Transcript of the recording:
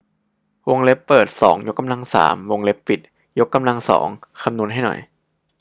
วงเล็บเปิดสองยกกำลังสามวงเล็บปิดยกกำลังสองคำนวณให้หน่อย